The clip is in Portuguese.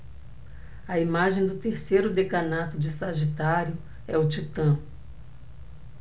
a imagem do terceiro decanato de sagitário é o titã